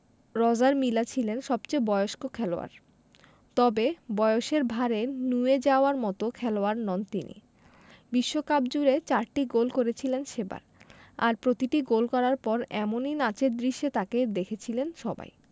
Roger Milla ছিলেন সবচেয়ে বয়স্ক খেলোয়াড় তবে বয়সের ভাঁড়ে নুয়ে যাওয়ার মতো খেলোয়াড় নন তিনি বিশ্বকাপজুড়ে চারটি গোল করেছিলেন সেবার আর প্রতিটি গোল করার পর এমনই নাচের দৃশ্যে তাঁকে দেখেছিলেন সবাই